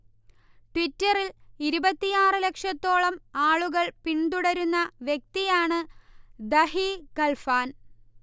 ട്വിറ്ററിൽ ഇരുപത്തിയാറ് ലക്ഷത്തോളം ആളുകൾ പിന്തുടരുന്ന വ്യക്തിയാണ് ധഹി ഖൽഫാൻ